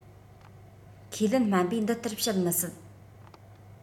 ཁས ལེན སྨན པས འདི ལྟར བཤད མི སྲིད